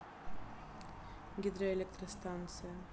гидроэлектростанция